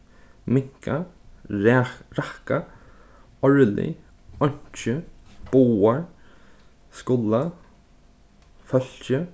minka rakka árlig einki báðar skula fólki